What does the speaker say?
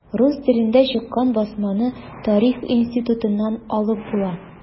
Рус телендә чыккан басманы Тарих институтыннан алып була.